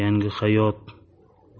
yangi hayot